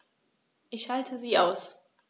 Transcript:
Ich schalte sie aus.